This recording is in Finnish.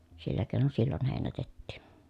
sillä keinoin silloin heinätettiin